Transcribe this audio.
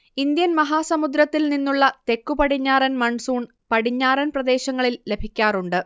Indian മഹാസമുദ്രത്തിൽനിന്നുമുള്ള തെക്കുപടിഞ്ഞാറൻ monsoon പടിഞ്ഞാറൻ പ്രദേശങ്ങളിൽ ലഭിക്കാറുണ്ട്